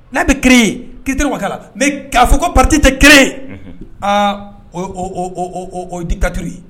N'a bɛ ki ye kite wa la mɛ k'a fɔ ko pate tɛ kee aao di katouru ye